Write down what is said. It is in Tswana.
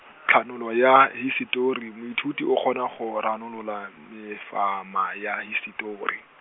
thanolo ya hisetori moithuti o kgona go ranolola mefama ya hisetori.